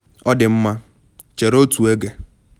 Ọ dị mma, chere otu oge.